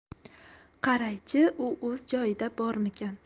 qaraychi u o'z joyida bormikan